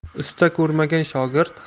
usta ko'rmagan shogird